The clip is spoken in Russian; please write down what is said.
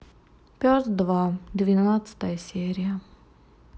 пес два двенадцатая серия